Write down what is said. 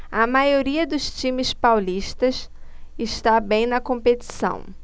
a maioria dos times paulistas está bem na competição